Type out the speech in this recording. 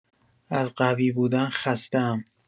از قوی بودن خسته‌ام.